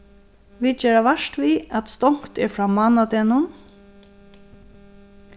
vit gera vart við at stongt er frá mánadegnum